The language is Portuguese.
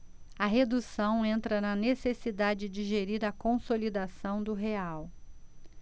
a redução entra na necessidade de gerir a consolidação do real